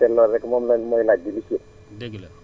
kon daanaka lenn rekk moom mooy laaj bi